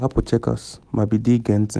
Biko hapụ Chequers ma bido ịge ntị.’